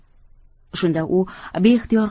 shunda u beixtiyor